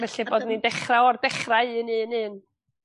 Felly bod ni'n dechra a'r dechrau un un un.